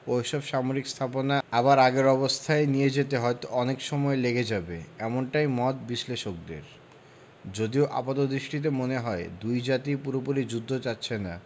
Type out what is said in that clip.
যে ওই সব সামরিক স্থাপনা আবার আগের অবস্থায় নিয়ে যেতে হয়তো অনেক সময় লেগে যাবে এমনটাই মত বিশ্লেষকদের যদিও আপাতদৃষ্টিতে মনে হয় দুই জাতিই পুরোপুরি যুদ্ধ চাচ্ছে না